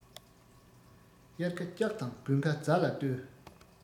དབྱར ཁ ལྕགས དང དགུན ཁ རྫ ལ ལྟོས